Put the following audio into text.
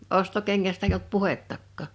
ostokengästä ei ollut puhettakaan